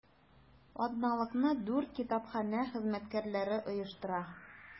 Атналыкны дүрт китапханә хезмәткәрләре оештыра.